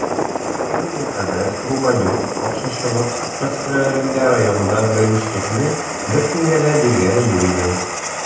Әлегә кадәр Рубанюк бакчачылык мәсьәләләрендә районда беренчелекне беркемгә дә биргәне юк иде.